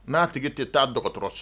N'a tigi tɛ taa a dɔgɔ dɔgɔtɔrɔ so